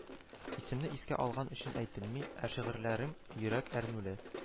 Исемне искә алган өчен әйтелми, ә шигырьләрең йөрәк әрнүле